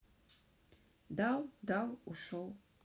дал дал ушел